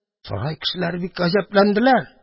Сарай кешеләре бик гаҗәпләнделәр.